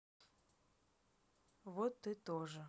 вот ты тоже